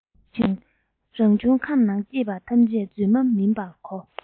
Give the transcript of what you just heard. རང བྱུང ཁམས ནང སྐྱེས པ ཐམས ཅད རྫུན མ མིན པར གོ